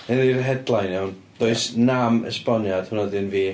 Hyn ydy'r headline iawn, "does 'nam esboniad". Hwnna 'di un fi.